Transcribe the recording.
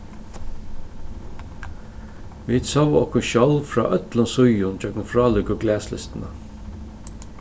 vit sóu okkum sjálv frá øllum síðum gjøgnum frálíku glaslistina